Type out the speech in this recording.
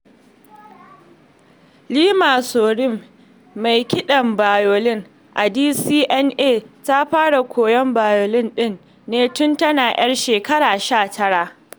Neema Surri, mai kiɗan bayolin a DCMA ta fara koyar bayolin ɗin ne tun tana 'yar shekaru 19.